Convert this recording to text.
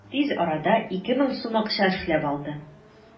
Тиз арада 2000 сум акча эшләп алды.